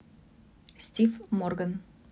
стив морган